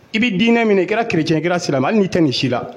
I bɛ diinɛ min i kɛra kerec kirara sira hali n'i tɛ nin si la